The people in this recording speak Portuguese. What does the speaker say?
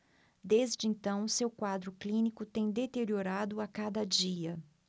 desde então seu quadro clínico tem deteriorado a cada dia